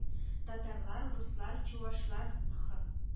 Татарлар, руслар, чуашлар хэ